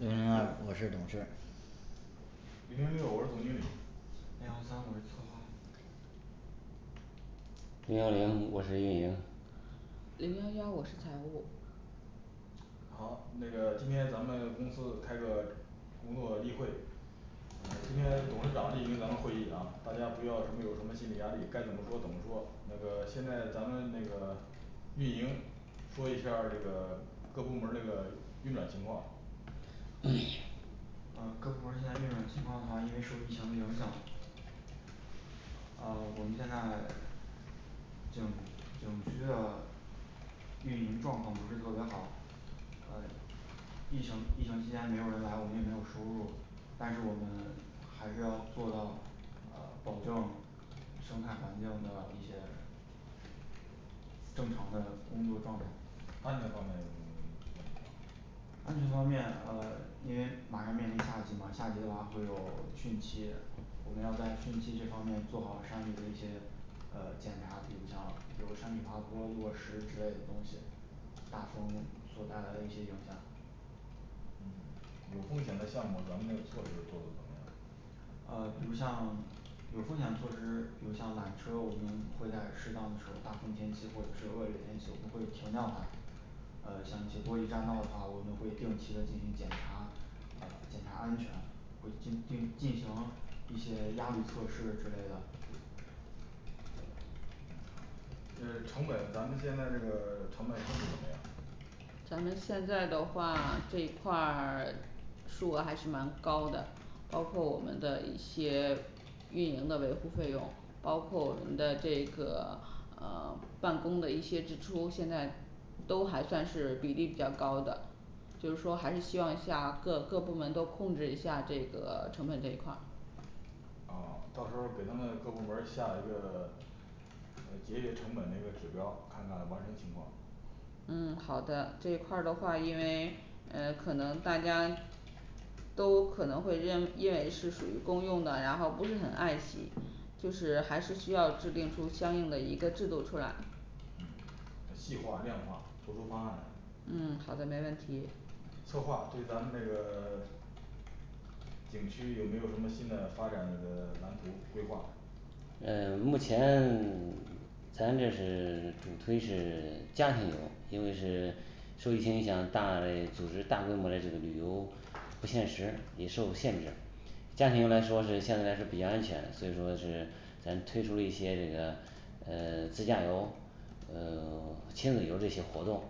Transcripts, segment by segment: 零零二我是董事零零六我是总经理零幺三我是策划零幺零我是运营零幺幺我是财务好，那个今天咱们公司开个工作例会呃今天董事长莅临咱们会议啊，大家不要什么有什么心理压力，该怎么说怎么说，那个现在咱们那个运营说一下儿这个各部门儿这个运转情况呃各部门儿现在运转情况的话，因为受疫情的影响啊我们现在景景区的运营状况不是特别好，呃疫情疫情期间没有人来，我们也没有收入但是我们还是要做到呃保证生态环境的一些正常的工作状态安全方面有什么问题吗安全方面呃因为马上面临夏季嘛夏季的话，会有汛期我们要在汛期这方面做好山里的一些呃检查，比如像有山体滑坡落石之类的东西，大风所带来的一些影响嗯有风险的项目儿，咱们这措施做得怎么样呃比如像有风险措施，比如像缆车，我们会在适当的时候儿大风天气或者是恶劣天气，我们会停掉它呃像一些玻璃栈道的话，我们会定期的进行检查，呃检查安全，会进 定 进行一些压力测试之类的诶成本咱们现在这个成本控制怎么样咱们现在的话这一块儿数额还是蛮高的，包括我们的一些运营的维护费用包括我们的这个呃办公的一些支出，现在都还算是比例比较高的。就是说还是希望一下各各部门都控制一下这个成本这一块儿啊到时候儿给他们各部门儿下一个呃节约成本的一个指标儿，看看完成情况嗯好的，这一块儿的话，因为嗯可能大家都可能会认因为是属于公用的，然后不是很爱惜，就是还是需要制定出相应的一个制度出来嗯要细化量化突出方案来嗯好的没问题策划对咱们那个景区有没有什么新的发展的蓝图规划嗯目前 咱这是主推是家庭游，因为是受疫情影响大嘞组织大规模嘞这个旅游，不现实也受限制家庭来说这是现在是比较安全，所以说是咱推出了一些这个嗯自驾游，嗯 亲子游这些活动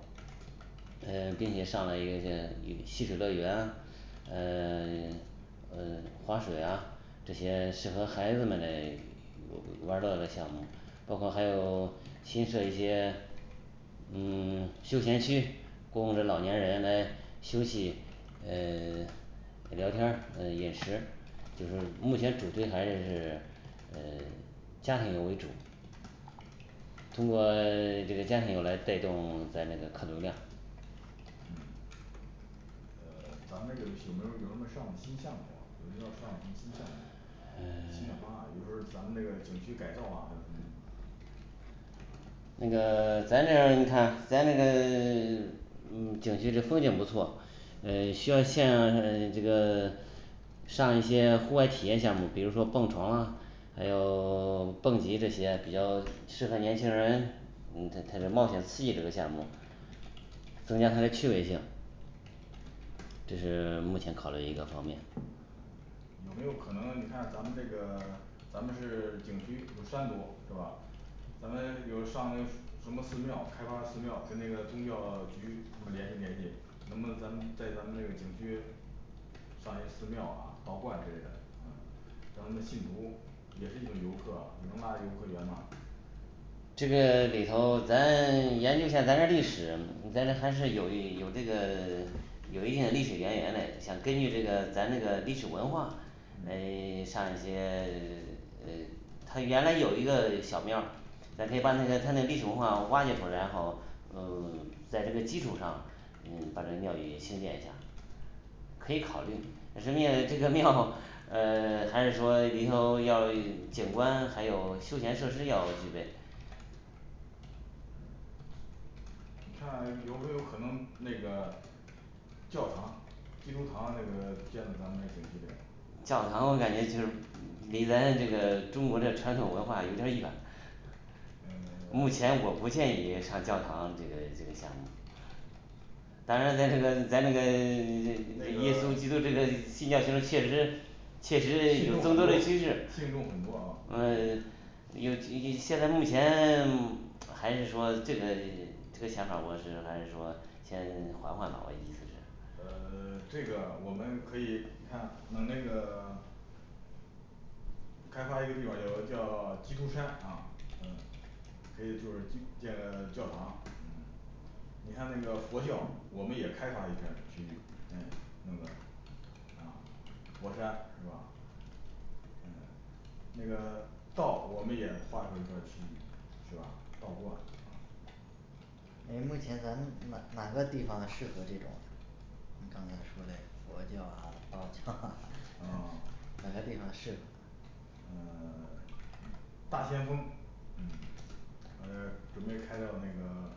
嗯并且上了一个叫与戏水乐园，嗯 嗯滑水啊这些适合孩子们嘞我 玩儿乐嘞项目，包括还有新设一些嗯 休闲区，供我们老年人来休息，嗯 聊天儿嗯饮食就是目前主推还是是嗯家庭游为主，通过 这个家庭游来带动咱这个客流量嗯呃咱们这个游戏有没有有什么上新项目啊有什么要上的什么新项目嗯？新的 方案比如说是咱们这个景区改造啊还有什么那个 咱这儿你看咱这个 嗯景区这风景不错，嗯需要向 嗯这个上一些户外体验项目儿，比如说蹦床了，还有 蹦极这些比较适合年轻人，嗯他 他就冒险刺激这个项目儿，增加它嘞趣味性这是目前考虑一个方面有没有可能你看咱们这个咱们是景区有山多是吧咱们比如上那 什么寺庙开发寺庙跟那个宗教局他们联系联系，能不能咱们在咱们这个景区上些寺庙啊道观之类的，嗯咱们的信徒也是一种游客，也能拉游客源嘛这个里头咱 研究一下咱的历史，咱这还是有一 有这个 有一定的历史渊源嘞，想根据这个咱这个历史文化诶 上一些 呃呃它原来有一个小庙儿，咱可以把那个它那历史文化挖掘出来，然后呃在这个基础上嗯把这个庙宇修建一下可以考虑，人家嘞 这个庙，呃 还是说里头要一 景观，还有休闲设施要具备嗯你看有没有可能那个教堂基督堂啊那个建到咱们景区里边儿教堂我感觉就是嗯离咱这个中国嘞传统文化有点儿远呃 目前我不建议上教堂这个这个项目儿咱咱这个咱这个 耶稣那个基督这个信教徒确实确信众很多实有更多的趋信势众很多啊嗯有一 一 现在目前 还是说这个 这个想法儿，我是还说先 缓缓吧我意思是呃 这个我们可以你看啊能那个开发一个地方儿有一个叫基督山啊嗯可以就是基 建个教堂嗯，你看那个佛教我们也开发一边儿去嗯那个啊佛山是吧嗯那个道我们也画出一段儿区域，是吧？道观诶目前咱们哪 哪个地方适合这种呢你刚才说嘞佛教啊道教啊，啊 哪个地方适合呃 大先锋嗯呃准备开到那个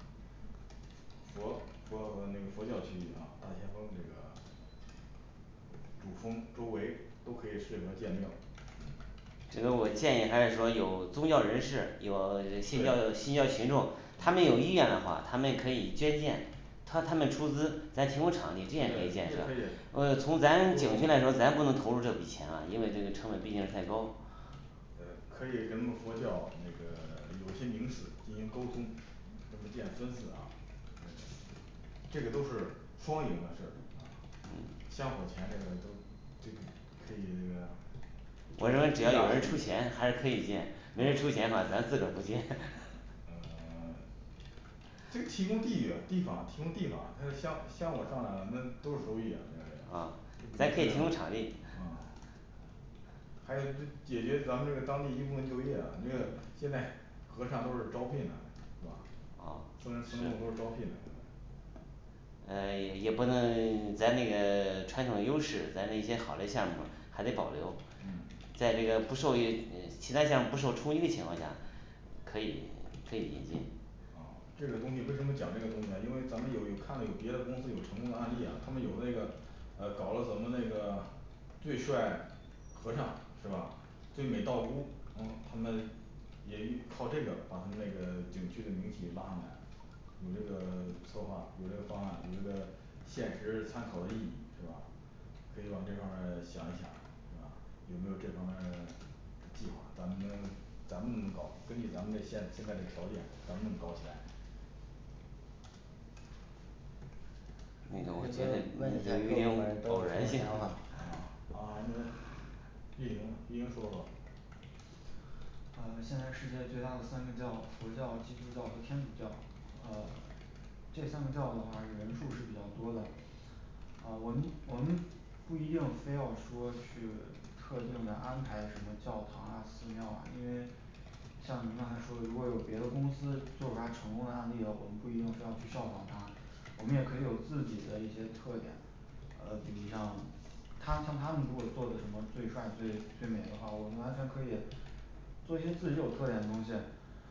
佛佛佛那个佛教区域啊大先锋这个主峰周围都可以适合建庙嗯这个我建议还是说有宗教人士，有信教对信教群众，他们有意愿的话，他们可以捐献他他们出资咱提供场对，这可地这样是一件事儿，以呃从咱景区来说咱不能投入这笔钱啦，因为这个成本毕竟是太高呃可以跟他们佛教那个有些名寺进行沟通。咱们建分寺啊这个这个都是双赢的事儿啊香火钱这个都这个可以 我认为只要有人出钱还是可以建啊，呃 ，没人出钱的话咱自个儿不建 可以提供地域啊地方儿提供地方儿它的香香火上来了，那都是收益啊，对不对，啊啊，咱可以提供场地还有就 解决咱们这个当地一部分就业啊，那个现在和尚都是招聘的，是吧啊？，是虽然种种都是招聘的嗯呃也不能 咱那个 传统优势，咱那些好嘞项目儿还得保留嗯，在这个不受也 嗯其他项目不受冲击的情况下，可以可以理解啊这个东西为什么讲这个东西呢，因为咱们有有看到有别的公司有成功的案例呀，他们有那个嗯搞了很多那个最帅和尚是吧？最美道姑嗯他们也依 靠这个把他们那个景区的名气拉上来有这个策划，有这个方案，有这个现实参考的意义是吧？可以往这方面儿想一想是吧？有没有这方面儿计划咱们咱们能搞，根据咱们嘞现现在这个条件咱们搞起来那个我觉得问一下有一各定部门儿都偶有什然么想性法啊那运营运营说说吧呃现在世界最大的三个教佛教、基督教和天主教，呃这三个教的话人数儿是比较多的啊我们我们不一定非要说去特定的安排什么教堂啊寺庙啊，因为像您刚才说的，如果有别的公司做出来成功的案例了，我们不一定非要去效仿它，我们也可以有自己的一些特点呃比如像他像他们如果做的什么最帅最最美的话，我们完全可以 做一些自己有特点的东西，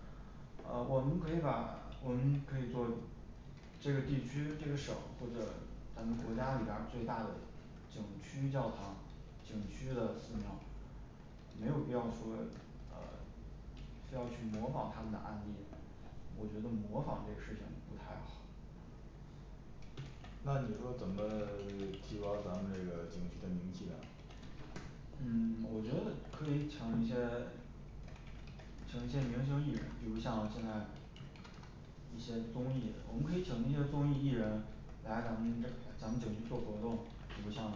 呃我们可以把我们可以做这个地区这个省或者咱们国家里边儿最大的景区教堂，景区的寺庙没有必要说呃非要去模仿他们的案例，我觉得模仿这个事情不太好那你说怎么 提高咱们这个景区的名气呢嗯 我觉得可以请一些请一些明星艺人比如说像现在一些综艺，我们可以请那些综艺艺人来咱们这 咱们景区做活动，比如像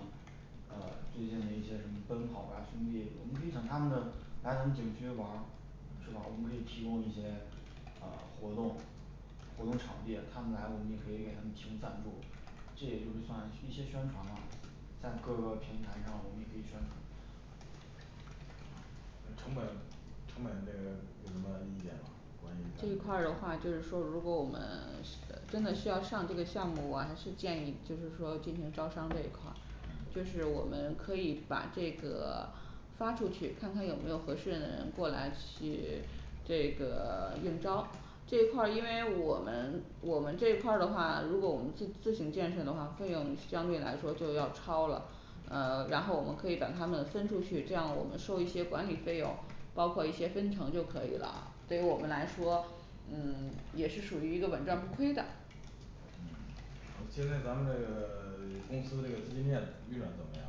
呃最近的一些什么奔跑吧兄弟，我们可以请他们的来咱们景区玩儿是吧？我们可以提供一些呃活动，活动场地他们来我们也可以给他们提供赞助，这也就是算一些宣传嘛。在各个平台上我们也可以宣传嗯成本成本这个有什么意见吗？关于这咱一块儿的们话，就是说如果我们 需 真的需要上这个项目，我还是建议就是说进行招商这一块儿就是我们可以把这个嗯发出去，看看有没有合适的人过来去这个应招这块儿，因为我们我们这块儿的话，如果我们自自行建设的话，费用相对来说就要超了呃然后我们可以把他们分出去，这样我们收一些管理费用，包括一些分成就可以了，对于我们来说嗯也是属于一个稳赚不亏的嗯呃现在咱们这个 公司这个资金链运转怎么样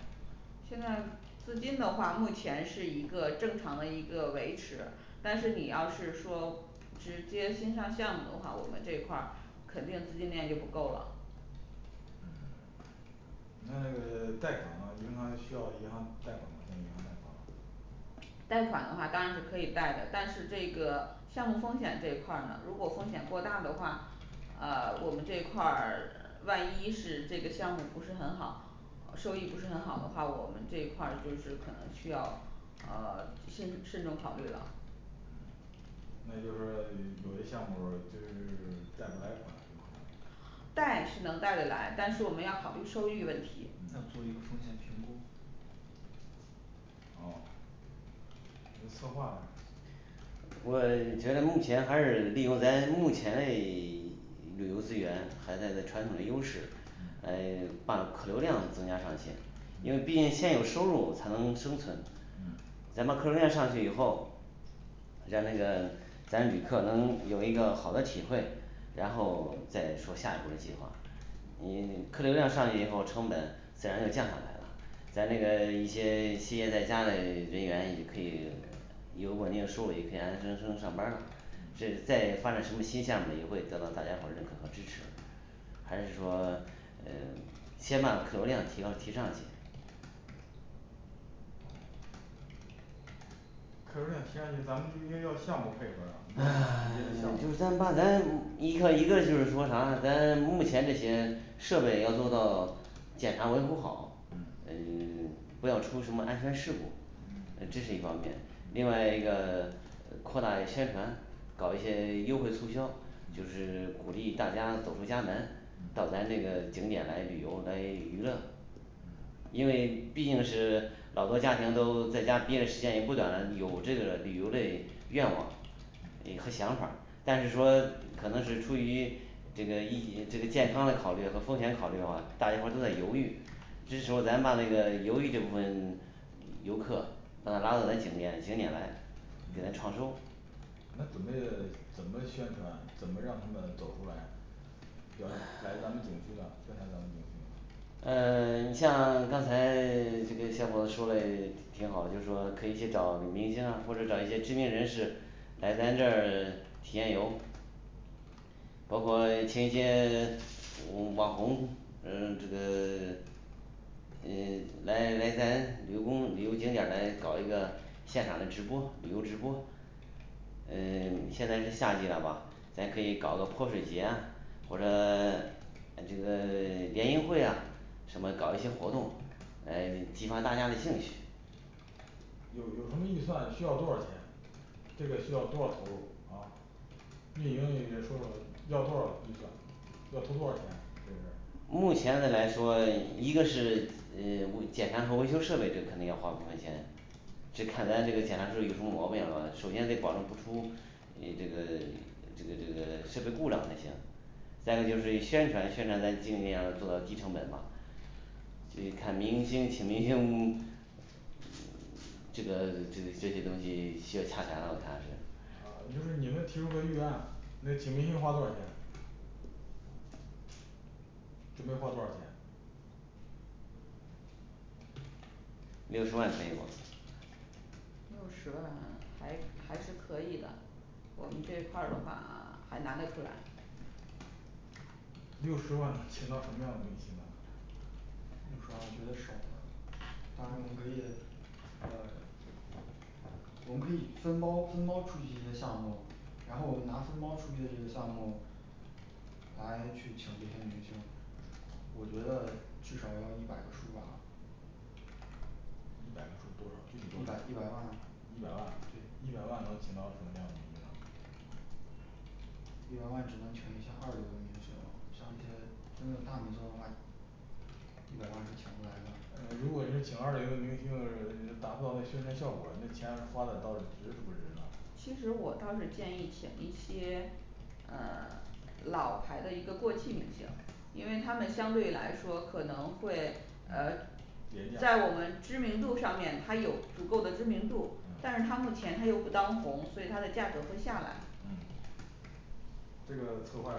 现在资金的话目前是一个正常的一个维持，但是你要是说直接新上项目的话，我们这一块儿肯定资金链就不够了嗯 那这个贷款的话银行需要银行贷款吗，现在银行贷款吗贷款的话当然是可以贷的，但是这个项目风险这一块儿呢如果风险过大的话，呃我们这一块儿万一是这个项目不是很好收益不是很好的话，我们这一块儿就是可能需要呃慎慎重考虑了嗯那就是说有嘞项目儿就是 贷不来款有可能贷是能贷得来，但是我们要考虑收益问题要做一个风险评估啊，那策划我 觉得目前还是利用咱目前嘞一旅游资源，还带着传统的优势来把客流量增加上去，因为毕竟先有收入才能生存嗯咱们客流量上去以后，让这个咱旅客能有一个好的体会，然后再说下一步儿的计划你客流量上去以后，成本自然就降下来了。咱这个一些歇业在家嘞人员也可以有稳定收入，也可以安安生生上班儿了这再发展什么新项目儿也会得到大家伙儿认可和支持。还是说呃先把客流量提高提上去客流量提上去，咱们又 又要项目配合呀唉，你这 个项咱目把咱儿一个一个就是说啥，咱目前这些设备要做到检查维护好，嗯 不要出什么安全事故诶这是一方面。 另外一个扩大宣传，搞一些优惠促销，就嗯是鼓励大家走出家门，到嗯咱这个景点来旅游来娱乐嗯因为毕竟是老多家庭都在家憋嘞时间也不短了，有这个旅游嘞愿望也和想法儿，但是说可能是出于这个疫这个健康嘞考虑和风险考虑的话，大家伙儿都在犹豫，就是说咱把那个犹豫这部分游客把他拉过来景点景点来给他创收那准备的怎么宣传，怎么让他们走出来，要 来咱们景区呢宣传咱们景区呃 你像刚才 这个小伙子说嘞 挺好，就是说可以去找明星或者找一些知名人士来咱这儿体验游包括签一些五 网红嗯这个 嗯来来咱旅游公共旅游景点儿来搞一个现场嘞直播旅游直播嗯 现在是夏季了嘛，咱可以搞个泼水节或者 呃这个 联谊会呀什么搞一些活动来激发大家嘞兴趣有有什么预算需要多少钱，这个需要多少投入啊，运营也 也说说要多少预算，要投多少钱，这个事儿目前的来说一个是呃检查和维修设备，这肯定要花部分钱，就看咱这个检查时候儿有什么毛病了吧，首先得保证不出你这个这个这个设备故障才行再一个就是以宣传宣传在经费上做到低成本嘛，去看明星请明星，嗯 这个这这些东西需要洽谈了我看着是啊也就是你们提出个预案，那请明星花多少钱准备花多少钱六十万可以吗六十万。还还是可以的。我们这一块儿的话还拿得出来六十万请到什么样的明星呢六十万我觉得少了，当然我们可以呃我们可以分包分包出去一些项目，然后我们拿分包出去的这个项目， 来去请这些明星我觉得至少要一百个数吧一百个数儿多少，具体多少？一一百百万万，对一百万能请到什么样的明星啊一百万只能请一些二流的明星了，像一些真正大明星话一百万是请不来的呃如果是请二流的明星呃 达不到那宣传效果，那钱花的到底值是不值了其实我倒是建议请一些呃老牌的一个过气明星，因为他们相对来说可能会嗯呃，廉价在我们知名度上面它有足够的知名度，但是嗯他目前它又不当红，所以它的价格会下来嗯这个策划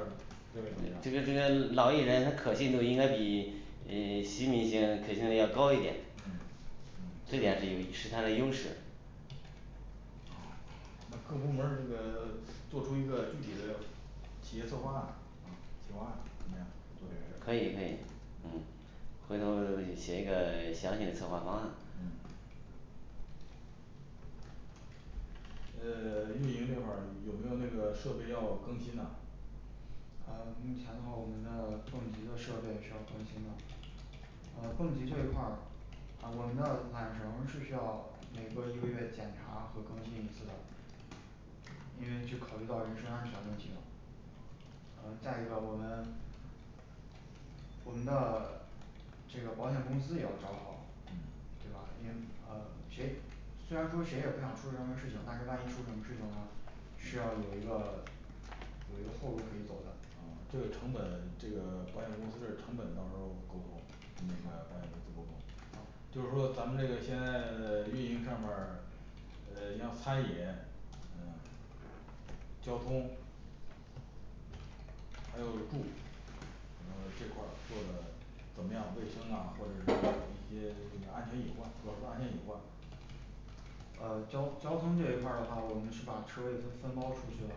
认为怎么样？这个这个嗯老艺人他可信度应该比嗯新明星可信度要高一点嗯，这点是是他嘞优嗯势啊那各部门儿这个 做出一个具体的企业策划案，啊企划案怎么样做这个事儿可以可以，嗯嗯回头就去写一个详细的策划方案呃 运营这块儿有没有那个设备要更新呢呃目前的话我们的蹦极的设备是要更新的，呃蹦极这一块儿，啊我们的缆绳儿是需要每隔一个月检查和更新一次的因为就考虑到人身安全问题了。呃再一个我们我们的这个保险公司也要找好嗯，对吧？因为呃谁虽然说谁也不想出什么事情，但是万一出什么事情呢，是要有一个有一个后路可以走的嗯这个成本这个保险公司这成本到时候儿沟通。那个保险公司沟通好，就是说咱们这个现在 运营上面儿呃你像餐饮嗯交通，还有住什么这块儿做的怎么样卫生啊或者是那个一些那个安全隐患，主要是安全隐患呃交交通这一块儿的话，我们是把车位都分包出去了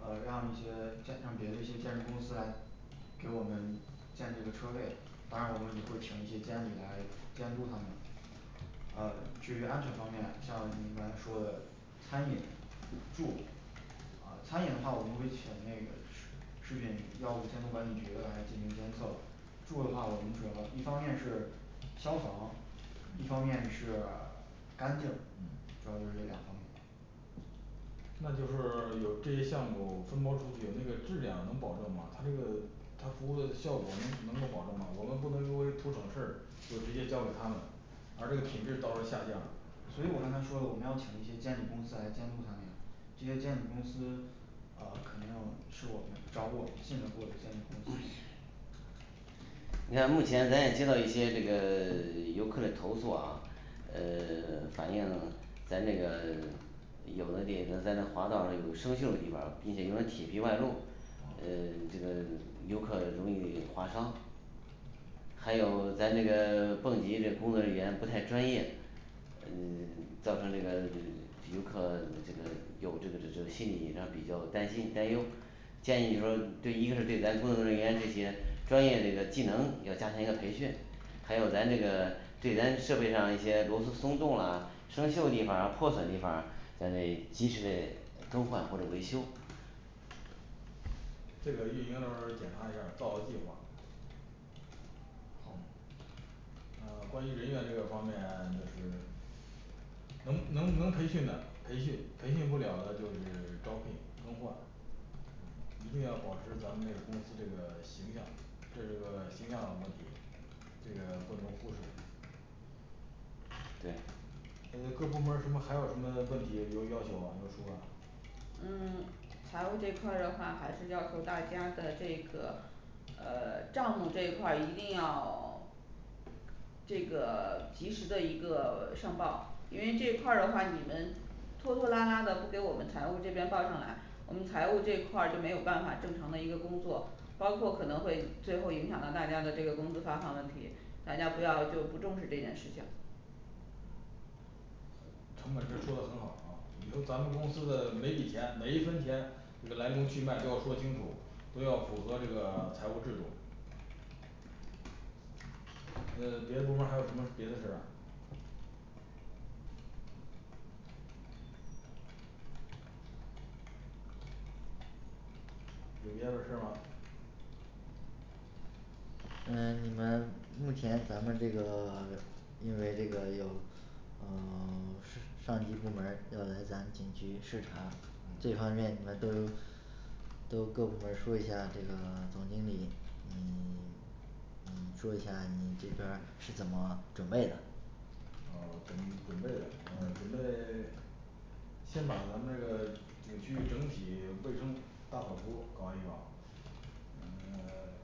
嗯，呃让一些建 让别的一些建筑公司来给我们建这个车位，当然我们也会请一些监理来监督他们啊至于安全方面，像您刚才说的餐饮住啊餐饮的话，我们会请那个食 食品药物监督管理局的来进行监测住的话我们主要一方面是消防，一方嗯面是干净嗯，主要就是这两方面那就是有这些项目分包出去，那个质量能保证吗？他那个他服务的效果能能够保证吗？我们不能因为图省事儿就直接交给他们，而这个品质到时候儿下降了所以我刚才说了，我们要请一些监理公司来监督他们呀这些监理公司，啊肯定是我们找我们信得过的监理公司你看目前咱也接到一些这个 游客嘞投诉啊，呃 反映咱那个 有的那个在那滑道上有生锈的地方儿，并且有嘞铁皮外露，嗯呃这个游客容易划伤还有咱这个蹦极这工作人员不太专业，嗯 造成这个游客这个有这个这这心理上比较担心担忧建议就是说对一个是对咱工作人员这些专业这个技能要加强一个培训还有咱这个对咱设备上一些螺丝松动啦生锈地方儿破损地方儿，咱得及时嘞更换或者维修这个运营到时候儿检查一下儿做好计划好。呃关于人员这个方面就是能能能培训的培训，培训不了的就是招聘更换嗯一定要保持咱们这个公司这个形象，这是个形象问题，这个不能忽视对那就各部门儿什么还有什么问题有要求吗要说啊嗯财务这一块儿的话还是要和大家的这个呃 账目这一块儿一定要 这个 及时的一个 上报，因为这一块儿的话你们拖拖拉拉的不给我们财务这边报上来，我们财务这一块儿就没有办法正常的一个工作包括可能会最后影响到大家的这个工资发放问题，大家不要就不重视这件事情呃成本这儿说得很好啊，以后咱们公司的每笔钱每一分钱这个来龙去脉都要说清楚，都要符合这个财务制度呃别的部门儿还有什么别的事儿啊有别的事儿吗嗯你们目前咱们这个 因为这个有哦 上上级部门儿要来咱景区视察这嗯方面你们都有都各部门儿说一下这个，总经理嗯 嗯说一下你这边儿是怎么准备的呃准准备的呃准备先把咱们这个景区整体卫生大扫除搞一搞，嗯呃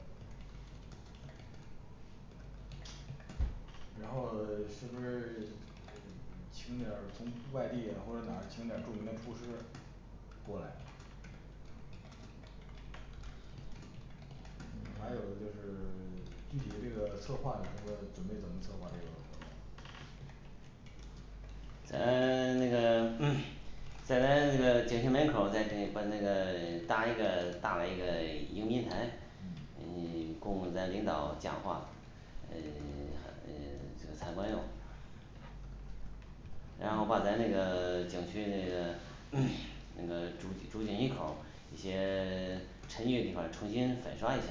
然后 是不是呃请点儿从外地或者哪儿请点儿著名的厨师过来嗯还有的就是具体的这个策划有什么准备，怎么策划这个活动啊咱 那个 咱那个景区门口儿再那个把那个 搭一个大嘞一个迎宾台嗯，嗯 供咱领导讲话，嗯 还嗯这个参观用然后把咱那个 景区那个 那个住进一口一些沉寂的地方重新粉刷一下